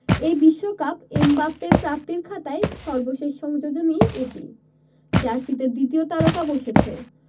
এই বিশ্বকাপ এমবাপ্পের প্রাপ্তির খাতায় সর্বশেষ সংযোজনই এটি জার্সিতে দ্বিতীয় তারকা বসেছে